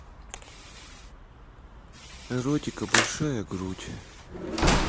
эротика большая грудь